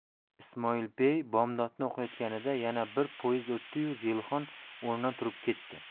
ismoilbey bomdodni o'qiyotganida yana bir poezd o'tdi yu zelixon o'rnidan turib ketdi